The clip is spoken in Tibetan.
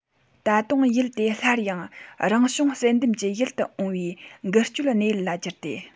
ད དུང ཡུལ དེ སླར ཡང རང བྱུང བསལ འདེམས ཀྱི ཡིད དུ འོངས པའི འགུལ སྤྱོད གནས ཡུལ ལ གྱུར ཏེ